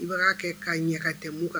I' kɛ ka ɲɛka tɛmu kan